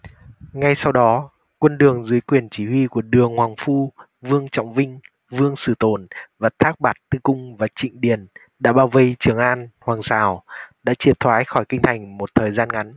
ngay sau đó quân đường dưới quyền chỉ huy của đường hoằng phu vương trọng vinh vương xử tồn và thác bạt tư cung và trịnh điền đã bao vây trường an hoàng sào đã triệt thoái khỏi kinh thành một thời gian ngắn